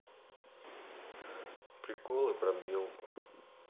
приколы про белку